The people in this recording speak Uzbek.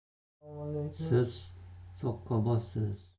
siz so'qqaboshsiz